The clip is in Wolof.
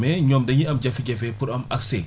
mais ñoom dañuy am jafe-jafe pour am accès